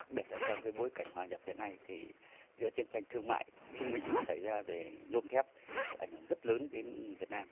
đặc biệt là trong bối cảnh hòa nhập hiện nay thì giữa chiến tranh thương mại trung mỹ xảy ra về nhôm thép ảnh hưởng rất lớn đến việt nam